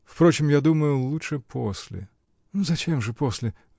Впрочем, я думаю, лучше после. -- Зачем же после?